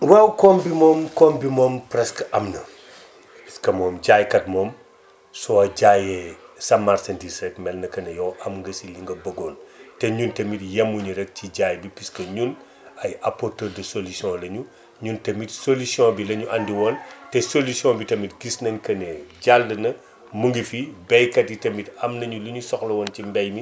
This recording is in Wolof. waaw koom bi moom koom bi moom presque am na puisque moom jaaykat moom soo jaayee sa marchandise rek mel na que ni yow am nga si li nga bëggoon te ñun tamit yemuñu rek ci jaay bi puisque ñun ay apporteur de solution lañu ñun tamit solution bi la ñu andi woon te solution bi tamit gis nañ que ne jàll na mu ngi fi baykat yi tamit am nañu li ñu soxla woon ci mbay mi